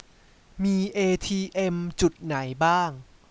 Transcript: มีเอทีเอมจุดไหนบ้าง